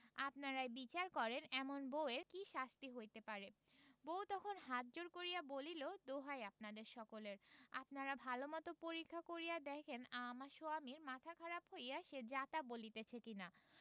আপনারাই বিচার করেন এমন বউ এর কি শাস্তি হইতে পারে বউ তখন হাত জোড় করিয়া বলিল দোহাই আপনাদের সকলের আপনারা ভালোমতো পরীক্ষা করিয়া দেখেন আমার সোয়ামীর মাথা খারাপ হইয়া সে যাতা' বলিতেছে কিনা